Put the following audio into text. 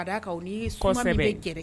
Kɔsɛbɛ